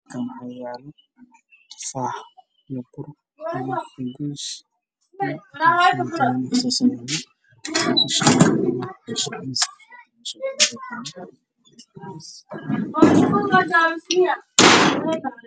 Waa saxamaan ay saran yihiin qudaar kala duwan sida tufaax cagad canbo ah